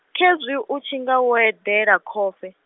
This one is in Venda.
khezwi u tshinga wo eḓela khofhe?